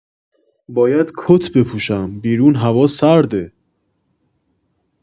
باید کت بپوشم بیرون هوا سرده